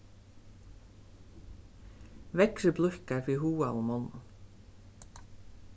veðrið blíðkar fyri hugaðum monnum